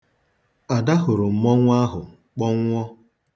Ada hụrụ mmọnwụ ahụ, kpọnwụọ.